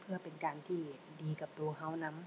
เพื่อเป็นการที่ดีกับก็ก็นำ